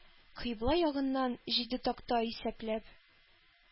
Кыйбла ягыннан җиде такта исәпләп,